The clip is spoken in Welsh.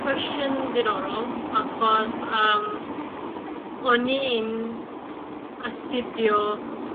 cwestiwn diddorol, achos yym o'n i'n astudio